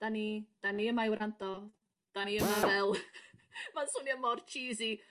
'dan ni 'dan ni yma i wrando 'dan ni yma fel ma'n swnio mor cheesy.